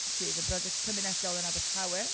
sydd yn brosiect cymunedol yn Abertawe...